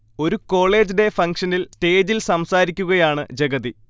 ഒരു college day ഫംഗ്ഷനിൽ സ്റ്റേജിൽ സംസാരിക്കുകയാണ് ജഗതി